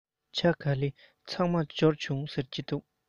ཇ ག ལི ཚང མ འབྱོར བྱུང